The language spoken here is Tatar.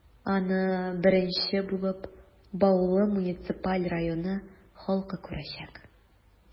Аны беренче булып, Баулы муниципаль районы халкы күрәчәк.